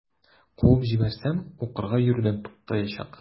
Куып җибәрсәм, укырга йөрүдән туктаячак.